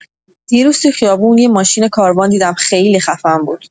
دیروز تو خیابون یه ماشین کاروان دیدم خیلی خفن بود!